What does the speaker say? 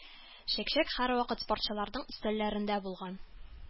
Чәк-чәк һәрвакыт спортчыларның өстәлләрендә булган.